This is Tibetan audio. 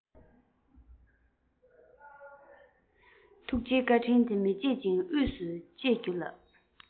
ཐུགས རྗེའི བཀའ དྲིན དེ མི བརྗེད སྙིང དབུས སུ བཅས རྒྱུ ལགས